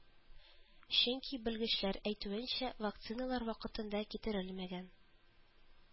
Чөнки, белгечләр әйтүенчә, вакциналар вакытында китерелмәгән